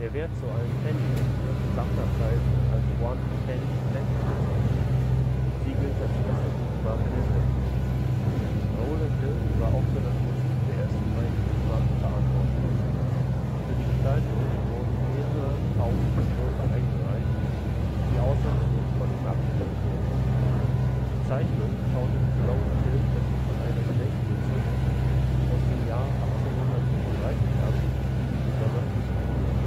Wert zu einem Penny wird in Sammlerkreisen als One Penny Black bezeichnet. Sie gilt als erste Briefmarke der Welt. Rowland Hill war auch für das Motiv der ersten beiden Briefmarken verantwortlich. Für die Gestaltung wurden mehrere 1000 Entwürfe eingereicht, die ausnahmslos von ihm abgelehnt wurden. Die Zeichnung schaute sich Rowland Hill deshalb von einer Gedenkmünze aus dem Jahr 1837 ab, die ihm besonders gefiel